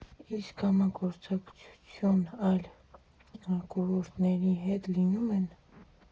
Իսկ համագործակցություն այլ կուրատորների հետ լինու՞մ են։